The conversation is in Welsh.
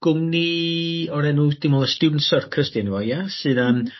gwmni o'r enw dwi me'wl Student Circus 'di enw fo ia sydd yn